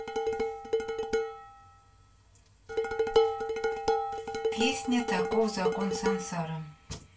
песня таков закон сансары